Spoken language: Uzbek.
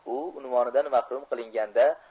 u unvonidan mahrum qilinganda